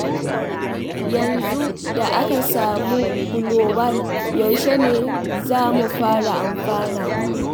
Yanzu da aka samu Glo-1, yaushe ne za mu fara amfana?